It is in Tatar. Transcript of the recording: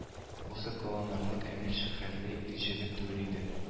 Ул сокланырлык әмир шөһрәтле ир-җегет түгел иде